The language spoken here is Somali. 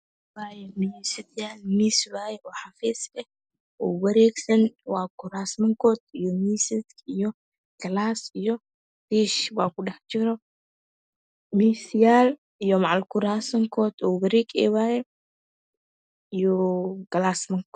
Miis waaye oo xafiis eh oo wareegsan waa kuraasmankodii iyo miisakoda iyo galaasmankooda tiish baa ku dhexjiro miisyaal iyo macal kuraasmankoodii oo wareeg ah waaye iyo galasmankoda